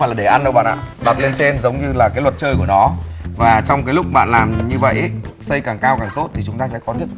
là để ăn đâu bạn ạ đặt lên trên giống như là cái luật chơi của nó và trong cái lúc bạn làm như vậy ý xây càng cao càng tốt thì chúng ta sẽ có tiếp